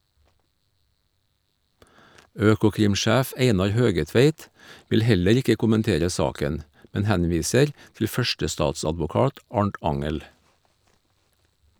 Økokrim-sjef Einar Høgetveit vil heller ikke kommentere saken, men henviser til førstestatsadvokat Arnt Angell.